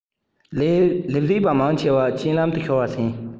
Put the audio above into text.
ལས བྱེད པ མང ཆེ བ རྐྱེན ལམ དུ ཤོར བའི ཟིན